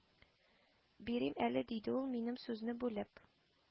Бирим әле, диде ул, минем сүзне бүлеп